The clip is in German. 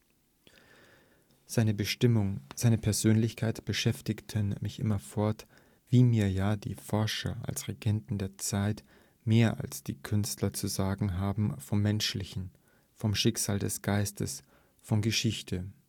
Seine Bestimmung, seine Persönlichkeit beschäftigen mich immerfort, wie mir ja die Forscher als Regenten der Zeit mehr als die Künstler zu sagen haben vom Menschlichen, vom Schicksal des Geistes, von Geschichte